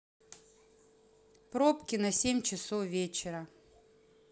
пробки на семь часов вечера